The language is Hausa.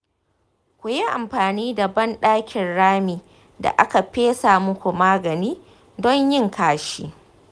ku yi amfani da banɗakin rami da aka fesa muku magani don yin kashi